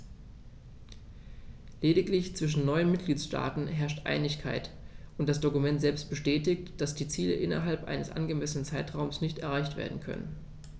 Lediglich zwischen neun Mitgliedsstaaten herrscht Einigkeit, und das Dokument selbst bestätigt, dass die Ziele innerhalb eines angemessenen Zeitraums nicht erreicht werden können.